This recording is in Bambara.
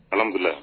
Ala wulila